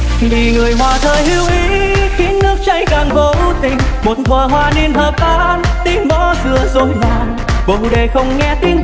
vì người hoa rơi hữu ý khiến nước chảy càng vô tình một thuở hoa niên hợp tan tiếng mõ xưa rối loạn bồ đề không nghe tiếng nàng